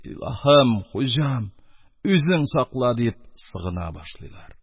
— илаһым, хуҗам... үзең сакла! — дип сыгына башлыйлар.